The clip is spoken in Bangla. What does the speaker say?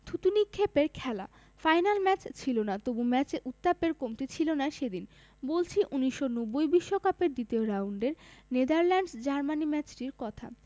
থুতু নিক্ষেপের খেলা ফাইনাল ম্যাচ ছিল না তবু ম্যাচে উত্তাপের কমতি ছিল না সেদিন বলছি ১৯৯০ বিশ্বকাপের দ্বিতীয় রাউন্ডের নেদারল্যান্ডস জার্মানি ম্যাচটির কথা